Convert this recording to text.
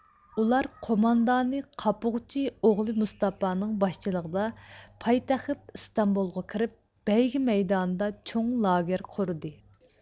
ئۇلار قوماندانى قاپۇغچى ئوغلى مۇستاپانىڭ باشچىلىقىدا پايتەخت ئىستانبۇلغا كىرىپ بەيگە مەيدانىدا چوڭ لاگېر قۇردى